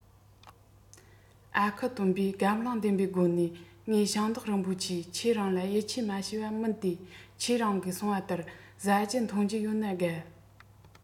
ཨ ཁུ སྟོན པས སྒམ བརླིང ལྡན པའི སྒོ ནས ངས ཞིང བདག རིན པོ ཆེ ཁྱེད རང ལ ཡིད ཆེས མ ཞུ བ མིན ཏེ ཁྱེད རང གིས གསུངས པ ལྟར བཟའ རྒྱུ འཐུང རྒྱུ ཡོད ན དགའ